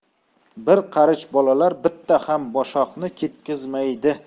bir qarich bolalar bitta ham boshoqni ketqazmaydi